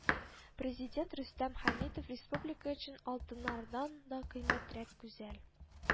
Президент Рөстәм Хәмитов республика өчен алтыннардан да кыйммәтрәк гүзәл